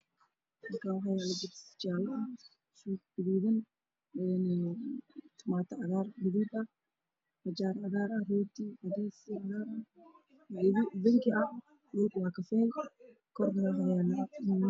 Waa miis waxaa saaran gibsi baradha oo fara badan oo jaalle ah iyo koobab cadaan oo ku jira